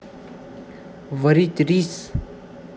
варить рис